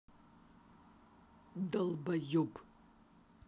долбаеб